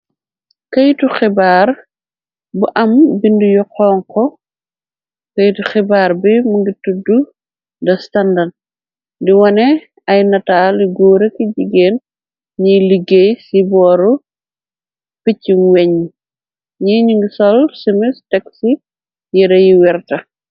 Këytu xibaar bu am bindu yu xonxo këytu xibaar bi mu ngi tudd da standard di wone ay nataali guuraki jigéen ñiy liggéey ci booru piccu weñ ñi ñu ngi sol semis tex ci yëre yu werta.